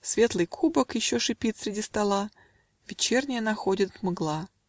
Светлый кубок Еще шипит среди стола. Вечерняя находит мгла.